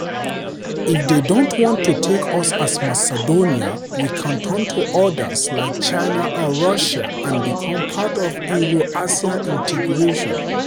If they don't want to take us as Macedonia, we can turn to others like China and Russia and become part of Euro-Asia integration."